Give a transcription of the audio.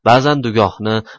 ba'zan dugohni